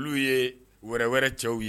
Olu ye wɛrɛ wɛrɛ cɛw ye